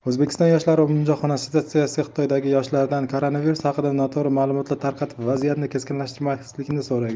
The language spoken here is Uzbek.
o'zbekiston yoshlari umumjahon assotsiatsiyasi xitoydagi yoshlardan koronavirus haqida noto'g'ri ma'lumotlar tarqatib vaziyatni keskinlashtirmaslikni so'ragan